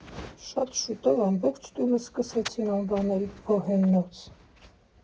Շատ շուտով ամբողջ տունը սկսեցին անվանեց Բոհեմնոց։